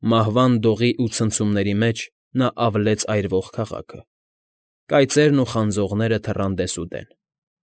Մահվան դողի ու ցնցումների մեջ նա ավլեց այրվող քաղաքը, կայծերն ու խանձողները թռան դեսուդեն։